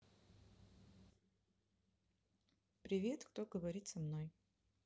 привет кто говорит со мной